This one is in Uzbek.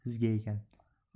sizga ekan